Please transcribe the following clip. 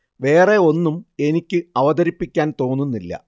വേറെ ഒന്നും എനിക്ക് അവതരിപ്പിക്കാൻ തോന്നുന്നില്ല